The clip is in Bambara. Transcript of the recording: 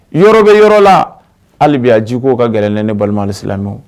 Yɔrɔ bɛ yɔrɔ la halibi ji k'o ka gɛlɛnɛrɛ ne balimasi